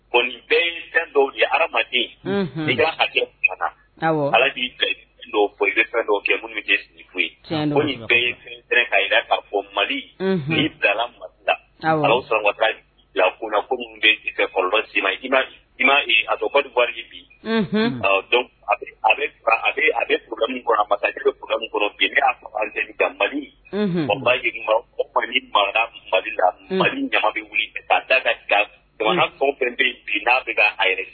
Kɔni bɛ fɛn dɔw ye hadamaden fanga ala' bɛ fɛn kɛ minnu foyiye ko nin bɛɛ yerɛnprɛn ka jira k kaa fɔ mali bila ma la ka sɔrɔta la kun kunnafoni bɛsi ma ato wari bi dɔn a bɛkɔrɔ masa kakɔrɔ aka mali bayi mali maraka malila mali ɲama bɛ wuli ka da fɛnprɛnp bi n'a bɛ k'a yɛrɛ